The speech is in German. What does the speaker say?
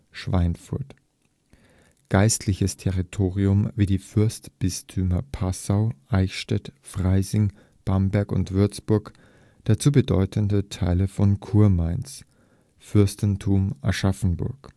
Schweinfurt geistliches Territorium wie die Fürstbistümer Passau, Eichstätt, Freising, Bamberg und Würzburg, dazu bedeutende Teile von Kurmainz (Fürstentum Aschaffenburg